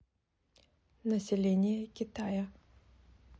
население китая